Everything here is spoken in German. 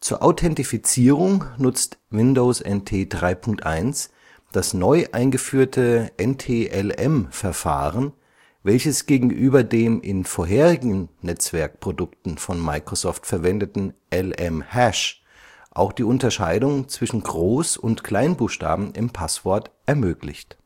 Zur Authentifizierung nutzt Windows NT 3.1 das neu eingeführte NTLM-Verfahren, welches gegenüber dem in vorherigen Netzwerkprodukten von Microsoft verwendeten LM-Hash auch die Unterscheidung zwischen Groß - und Kleinbuchstaben im Passwort ermöglicht